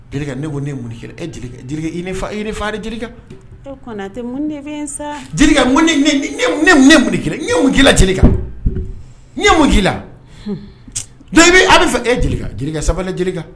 Ne ko ne mun e e ne fa tɛ mun sa mun k'la kan ɲɛ mun k'la dɔ a bɛ fɛ e jelikɛ sabali jeli